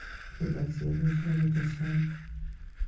redaksiyada ishlab o'tirsam